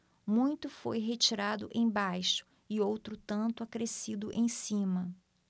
muito foi retirado embaixo e outro tanto acrescido em cima